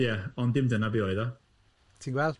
Ie, ond dim dyna be oedd o. Ti'n gweld?